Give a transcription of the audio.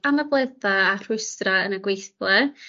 anabledda a rhwystra yn y gweithle.